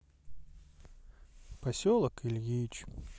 поселок ильич